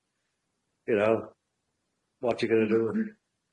You know, what you gonna do?